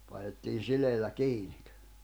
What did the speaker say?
painettiin sileillä kiinni